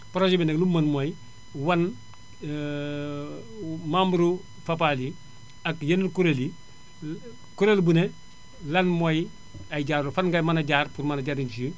projet bi nag li mu mën mooy wan membres yu Fapal yi ak yeneen kuréel yi kuréel bu ne lan mooy ay jaaram fan nga mën a jaar pour mën a jariñu ci